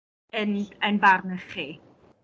yn yn barn chi?